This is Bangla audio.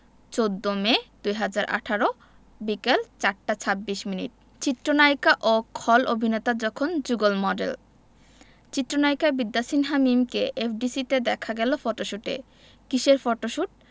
১৪মে ২০১৮ বিকেল ৪টা ২৬ মিনিট চিত্রনায়িকা ও খল অভিনেতা যখন যুগল মডেল চিত্রনায়িকা বিদ্যা সিনহা মিমকে এফডিসিতে দেখা গেল ফটোশুটে কিসের ফটোশুট